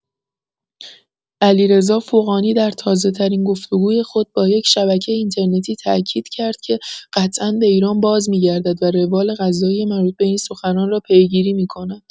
علیرضا فغانی در تازه‌ترین گفت‌وگوی خود با یک شبکه اینترنتی تاکید کرد که قطعا به ایران بازمی‌گردد و روال قضایی مربوط به این سخنان را پیگیری می‌کند.